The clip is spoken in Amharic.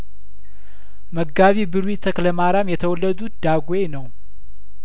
መጋቢ ብሉይ ተክለማሪያም የተወለዱት ዳጔ ነው